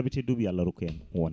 ala ko bayda hen